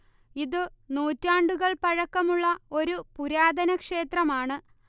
ഇതു നൂറ്റാണ്ടുകൾ പഴക്കമു ള്ള ഒരു പുരാതന ക്ഷേത്രമാണ്